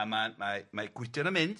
A ma'n mae mae Gwydion yn mynd